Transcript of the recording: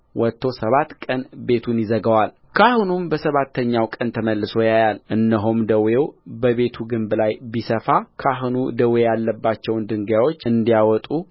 ወጥቶ ሰባት ቀን ቤቱን ይዘጋዋልካህኑም በሰባተኛው ቀን ተመልሶ ያያል እነሆም ደዌው በቤቱ ግንብ ላይ ቢሰፋካህኑ ደዌ ያለባቸውን ድንጋዮች እንዲያወጡ